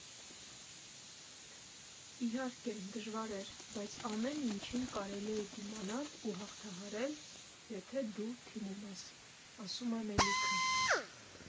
Իհարկե, դժվար էր, բայց ամեն ինչին կարելի է դիմանալ ու հաղթահարել, եթե դու թիմում ես», ֊ ասում է Մելիքը։